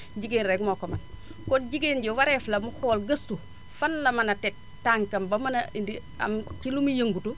jigéen rek moo ko mën kon jigéen ji wareef la mu xool gëstu fan la mën a teg tànkam ba mu mën a indi am ci lu muy yëngatu